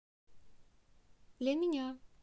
для меня